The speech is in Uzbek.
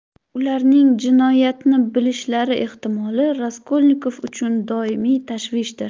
ularning jinoyatni bilishlari ehtimoli raskolnikov uchun doimiy tashvishdir